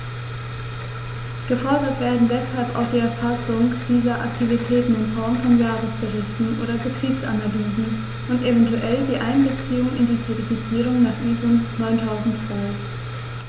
Gefordert werden deshalb auch die Erfassung dieser Aktivitäten in Form von Jahresberichten oder Betriebsanalysen und eventuell die Einbeziehung in die Zertifizierung nach ISO 9002.